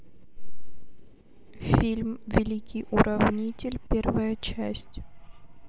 фильм великий уравнитель первая часть